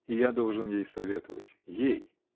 И я должен ей советовать -- ей?!